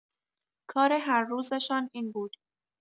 کار هر روزشان این بود.